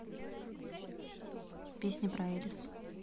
песня про элис